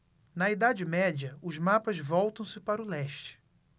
na idade média os mapas voltam-se para o leste